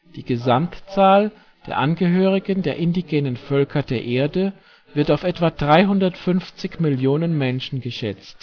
Die Gesamtzahl der Angehörigen der indigenen Völker der Erde wird auf etwa 350 Millionen Menschen geschätzt